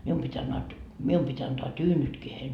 minun piti - minun piti antaa tyynytkin heille